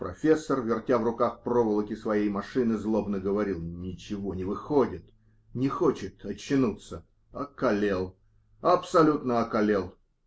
"Профессор", вертя в руках проволоки своей машины, злобно говорил: -- Ничего не выходит! Не хочет очнуться. Околел, абсолютно околел.